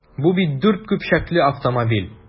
Бу бит дүрт көпчәкле автомобиль!